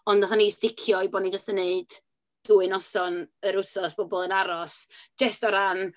Ond, wnaethon ni sdicio i bod ni jyst yn wneud dwy noson yr wsos bobl yn aros, jyst o ran...